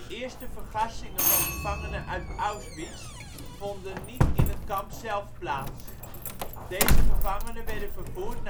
eerste vergassingen van gevangenen uit Auschwitz vonden niet in het kamp zelf plaats; deze gevangenen werden vervoerd